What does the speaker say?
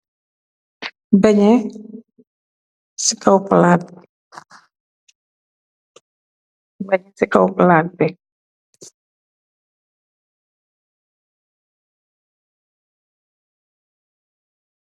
Benye si kaw palaat, beñe si kaw palaat bi